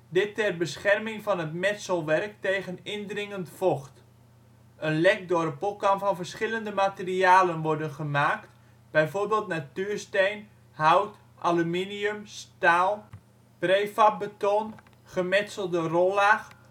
dit ter bescherming van het metselwerk tegen indringend vocht. Een lekdorpel kan van verschillende materialen worden gemaakt: bv natuursteen, hout, aluminium, staal, prefab beton, gemetselde rollaag